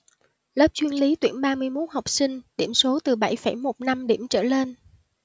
lớp chuyên lý tuyển ba mươi mốt học sinh điểm số từ bảy phẩy một năm điểm trở lên